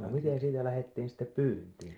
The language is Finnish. miten siitä lähdettiin sitten pyyntiin